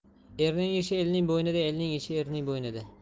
erning ishi elning bo'ynida elning ishi erning bo'ynida